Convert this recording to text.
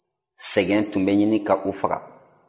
sɛgɛn tun bɛ ɲini ka u faga